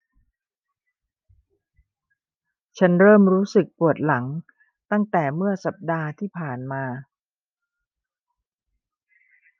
ฉันเริ่มรู้สึกปวดหลังตั้งแต่เมื่อสัปดาห์ที่ผ่านมา